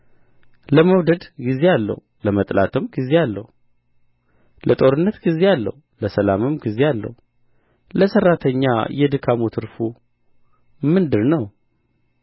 ለመውደድ ጊዜ አለው ለመጥላትም ጊዜ አለው ለጦርነት ጊዜ አለው ለሰላምም ጊዜ አለው ለሠራተኛ የድካሙ ትርፍ ምንድር ነው